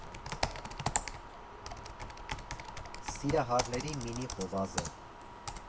Սիրահարների մինի հովազը։